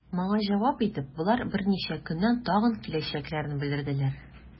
Моңа җавап итеп, болар берничә көннән тагын киләчәкләрен белдерделәр.